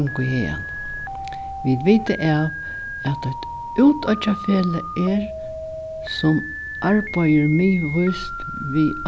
ganga í hagan vit vita av at eitt útoyggjafelag er sum arbeiðir miðvíst við